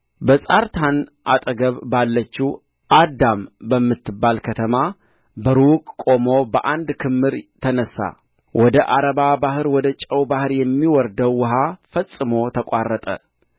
በጻርታን አጠገብ ባለችው አዳም በምትባል ከተማ በሩቅ ቆሞ በአንድ ክምር ተነሣ ወደ ዓረባ ባሕር ወደ ጨው ባሕር የሚወርደው ውኃ ፈጽሞ ተቋረጠ